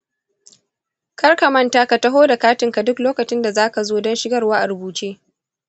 kar ka manta ka taho da katinka duk lokacin da zaka zo don shigarwa a rubuce.